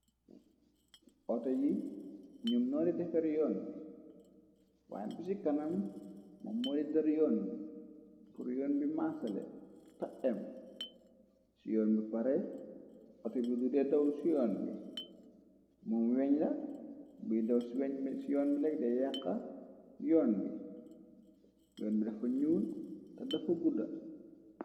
auto yi ñyum nyoo defar yoon mi waan bi ci kanam moom mooli dar yoon bi pur yoon bi maasale ta em ci yoon bi pare auto bi dude dawul ci yoon bi moom weñ la buy daw ci yoon mi legde yaqa yoon bi yoon bi dafa ñuul te dafa gudda